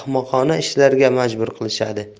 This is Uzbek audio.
xil ahmoqona ishlarga majbur qilishadi